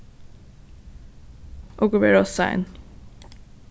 okur vera ov sein